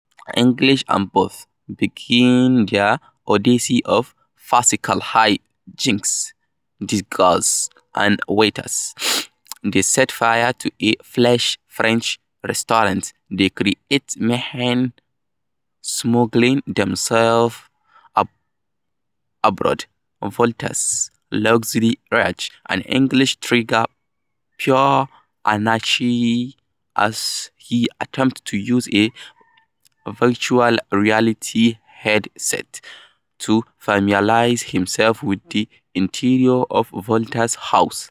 English and Bough begin their odyssey of farcical high-jinks: disguised as waiters, they set fire to a flash French restaurant; they create mayhem smuggling themselves aboard Volta's luxury yacht; and English triggers pure anarchy as he attempts to use a Virtual Reality headset to familiarize himself with the interior of Volta's house.